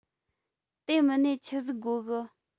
དེ མིན ནས ཆི ཟིག དགོ གི